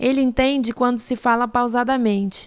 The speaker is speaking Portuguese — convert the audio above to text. ele entende quando se fala pausadamente